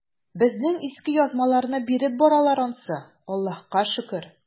Безнең иске язмаларны биреп баралар ансы, Аллага шөкер.